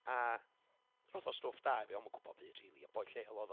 A, rhoth o stwff da i fi oedd o'm yn gwybod dim byd rili. Boi lleol odd o.